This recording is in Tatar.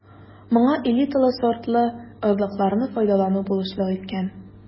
Моңа элиталы сортлы орлыкларны файдалану булышлык иткән.